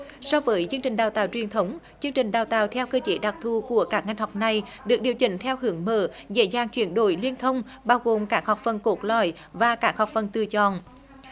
so với chương trình đào tạo truyền thống chương trình đào tạo theo cơ chế đặc thù của các ngành học này được điều chỉnh theo hướng mở dễ dàng chuyển đổi liên thông bao gồm các học phần cốt lõi và các học phần tự chọn